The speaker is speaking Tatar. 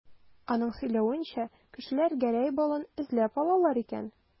Аның сөйләвенчә, кешеләр Гәрәй балын эзләп алалар икән.